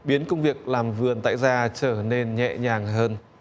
biến công việc làm vườn tại gia trở nên nhẹ nhàng hơn